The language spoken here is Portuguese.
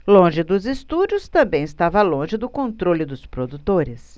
longe dos estúdios também estava longe do controle dos produtores